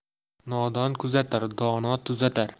nodon kuzatar dono tuzatar